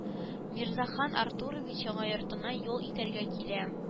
Мирзахан артурович яңа йортына ял итәргә килә